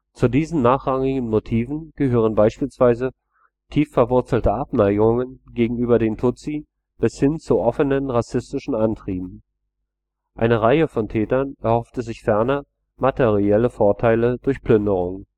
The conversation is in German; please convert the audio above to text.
Zu diesen nachrangigen Motiven gehören beispielsweise tief verwurzelte Abneigungen gegenüber den Tutsi bis hin zu offen rassistischen Antrieben. Eine Reihe von Tätern erhoffte sich ferner materielle Vorteile durch Plünderungen